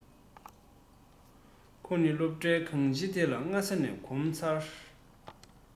ཁོ ནི སློབ གྲྭའི གང སྤྱིའི ཐད ལ སྔ ས ནས གོམ ཚར